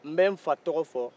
n bɛ n fa tɔgɔ fɔ